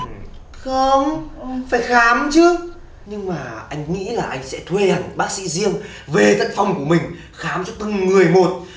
không phải khám chứ nhưng mà anh nghĩ là anh sẽ thuê hẳn bác sĩ riêng về tận phòng của mình khám cho từng người một